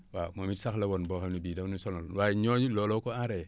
waaw moom it sax la woon boo xam ne bii dafa ñu sonal waaye ñooñu looloo ko enrayé